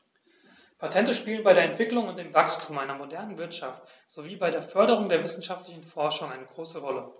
Patente spielen bei der Entwicklung und dem Wachstum einer modernen Wirtschaft sowie bei der Förderung der wissenschaftlichen Forschung eine große Rolle.